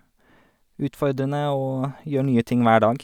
Utfordrende å gjøre nye ting hver dag.